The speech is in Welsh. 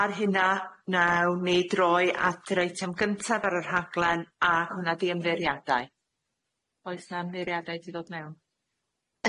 Ar hynna naw ni droi at yr eitem gyntaf ar y rhaglen a hwnna 'di ymddeiriadau. Oes 'na ymddeiriadau 'di dod mewn?